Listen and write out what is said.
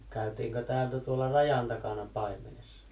käytiinkö täältä tuolla rajan takana paimenessa